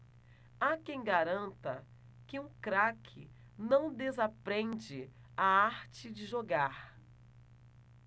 há quem garanta que um craque não desaprende a arte de jogar